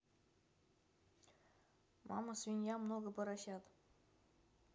мама свинья много поросят